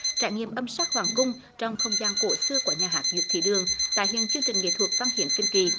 trải nghiệm âm sắc hoàng cung trong không gian cổ xưa của nhà hát nguyễn thị đường tái hiện chương trình nghệ thuật văn hiến kinh kỳ